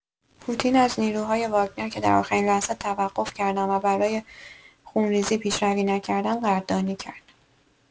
پوتین از نیروهای واگنر که در آخرین لحظه توقف کردند و به برای خونریزی پیشروی نکردند، قدردانی کرد.